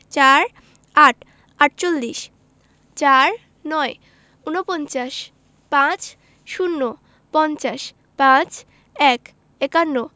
৪৮ আটচল্লিশ ৪৯ উনপঞ্চাশ ৫০ পঞ্চাশ ৫১ একান্ন